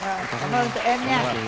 ơn tụi em